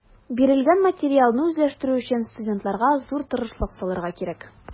Бирелгән материалны үзләштерү өчен студентларга зур тырышлык салырга кирәк.